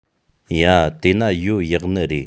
ཡ དེས ན ཡོ ཡག ནི རེད